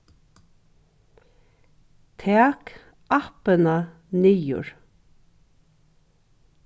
tak appina niður